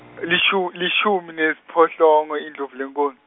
lishu- lishumi nesiphohlongo Indlovulenkhulu.